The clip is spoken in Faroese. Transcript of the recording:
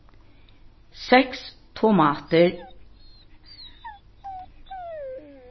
seks tomatir